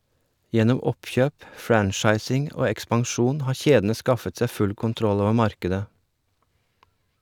Gjennom oppkjøp, franchising og ekspansjon har kjedene skaffet seg full kontroll over markedet.